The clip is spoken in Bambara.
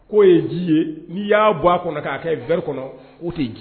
K'o ye ji ye, ni y'a bɔ a kɔnɔ k'a kɛ verre kɔnɔ. ok